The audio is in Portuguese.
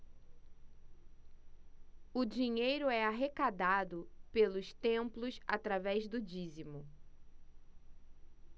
o dinheiro é arrecadado pelos templos através do dízimo